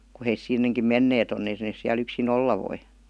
kun he sinnekin menneet on että ne siellä yksin olla voi